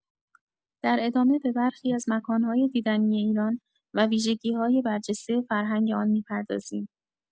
در ادامه به برخی از مکان‌های دیدنی ایران و ویژگی‌های برجسته فرهنگ آن می‌پردازیم.